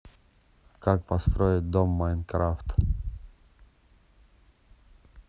как построить дом в майнкрафт